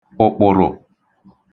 ụ̀kpụ̀rụ̀